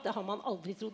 det har man aldri trodd.